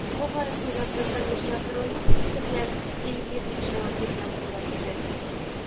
Мөгаен, уйлап та тормыйча горурлык хисе белән “әйе” дип җавап биргән булыр иде